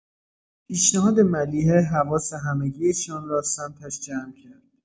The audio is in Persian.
پیشنهاد ملیحه حواس همگی‌شان را سمتش جمع کرد.